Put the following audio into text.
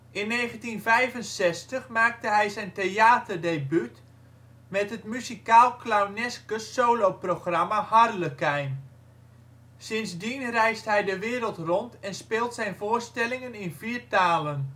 1965 maakte hij zijn theaterdebuut met het muzikaal-clowneske soloprogramma ‘Harlekijn '. Sindsdien reist hij de wereld rond en speelt zijn voorstellingen in vier talen